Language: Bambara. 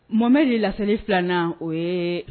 Mɔhamɛdi laseli 2nan o ye